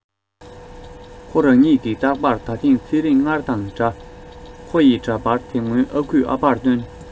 ཁོ རང ཉིད ཀྱི རྟག པར ད ཐེངས ཚེ རིང སྔར དང འདྲ ཁོ ཡི འདྲ པར དེ སྔོན ཨ ཁུས ཨ ཕར སྟོན